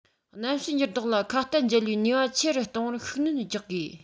གནམ གཤིས འགྱུར ལྡོག ལ ཁ གཏད འཇལ བའི ནུས པ ཆེ རུ གཏོང བར ཤུགས སྣོན རྒྱག དགོས